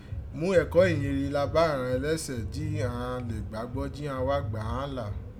Mú ẹ̀kọ́ iyinrire la bá àghan ẹlẹsẹ jí ghan lè gbàgbọ́ jí a wá gbà ghán là.